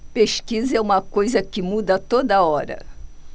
pesquisa é uma coisa que muda a toda hora